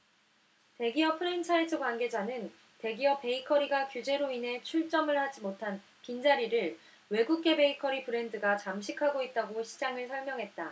대기업 프랜차이즈 관계자는 대기업 베이커리가 규제로 인해 출점을 하지 못한 빈 자리를 외국계 베이커리 브랜드가 잠식하고 있다고 시장을 설명했다